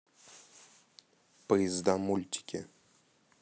поезда мультики